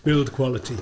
Build quality